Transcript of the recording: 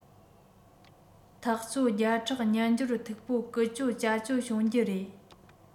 ཐག ཆོད བརྒྱ ཕྲག སྨྱན སྦྱོར མཐུག པོ ཀུ ཅོ ཅ ཅོ བྱུང རྒྱུ རེད